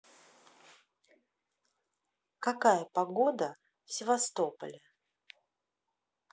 какая погода в севастополе